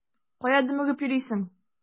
Кая дөмегеп йөрисең?